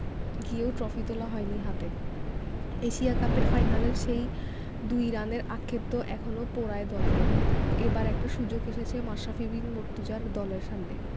গিয়েও ট্রফি তোলা হয়নি হাতে এশিয়া কাপের ফাইনালের সেই ২ রানের আক্ষেপ তো এখনো পোড়ায় দলকে এবার একটা সুযোগ এসেছে মাশরাফি বিন মুর্তজার দলের সামনে